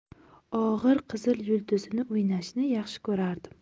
og'ir qizil yulduzini o'ynashni yaxshi ko'rardim